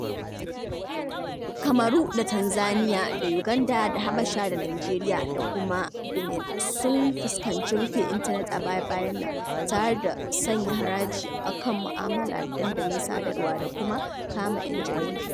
Kamaru da Tanzaniya da Uganda da Habasha da Najeriya da kuma Benin duk sun fuskanci rufe intanet a baya-bayan nan, tare da sanya haraji a kan mu'amala da dandalin sadarwa da kuma kama 'yan jaridu.